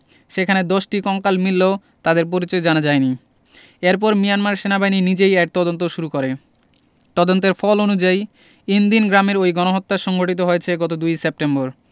সেখানে ১০টি কঙ্কাল মিললেও তাদের পরিচয় জানা যায়নি এরপর মিয়ানমার সেনাবাহিনী নিজেই এর তদন্ত শুরু করে তদন্তের ফল অনুযায়ী ইনদিন গ্রামের ওই গণহত্যা সংঘটিত হয়েছে গত ২ সেপ্টেম্বর